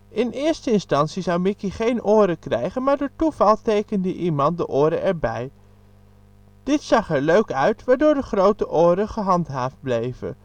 In eerste instantie zou Mickey geen oren krijgen, maar door toeval tekende iemand de oren erbij. Dit zag er leuk uit, waardoor de grote oren gehandhaafd bleven